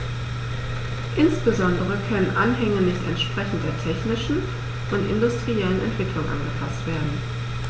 Insbesondere können Anhänge nicht entsprechend der technischen und industriellen Entwicklung angepaßt werden.